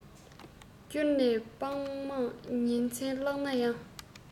བསྐྱུར ནས དཔེ མང ཉིན མཚན བཀླགས ན ཡང